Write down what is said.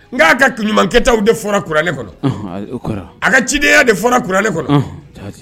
N'a ka kun ɲumankɛtaw de fɔrauranlen kɔnɔ a ka cidenyaya de fɔralen kɔnɔ